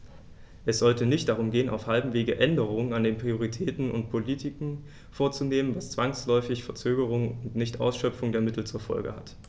Es sollte nicht darum gehen, auf halbem Wege Änderungen an den Prioritäten und Politiken vorzunehmen, was zwangsläufig Verzögerungen und Nichtausschöpfung der Mittel zur Folge hat.